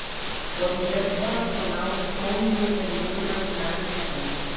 o objeto relacional some no interior imaginário do corpo